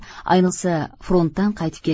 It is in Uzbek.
ayniqsa frontdan qaytib